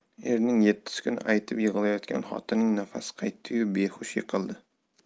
erning yettisi kuni aytib yig'layotgan xotinning nafasi qaytdi behush yiqildi